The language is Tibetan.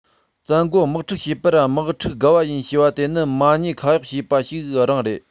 བཙན རྒོལ དམག འཁྲུག བྱེད པར དམག འཁྲུག དགའ བ ཡིན ཞེས པ དེ ནི མ ཉེས ཁག གཡོགས བྱེད པ ཞིག རང རེད